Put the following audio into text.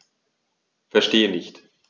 Verstehe nicht.